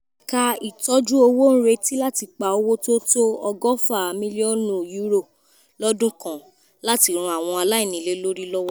Ẹ̀ka ìtọ́júowo ń retí láti pa owó tó tó £120 million lọ́dún kan - láti ran àwọn aláìnílélórí lọ́wọ̀.